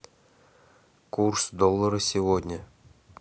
курс доллара сегодня